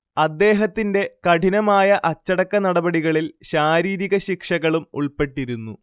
അദ്ദേഹത്തിന്റെ കഠിനമായ അച്ചടക്കനടപടികളിൽ ശാരീരിക ശിക്ഷകളും ഉൾപ്പെട്ടിരുന്നു